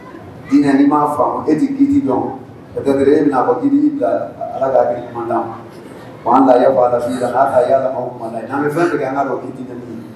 Diinɛ m'a e tɛ g dɔn e' bila ala k' ma ta an bɛ fɛn tigɛ